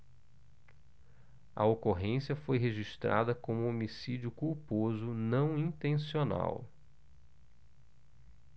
a ocorrência foi registrada como homicídio culposo não intencional